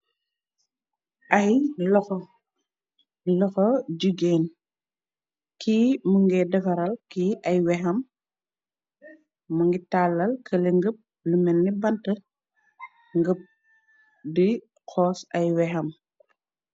Ay loxo jigeen, ki mu ngi defaral ki ay wexam, mu ngi tàllal kële ngëb lu melni bant ngëb di xoos ay wexam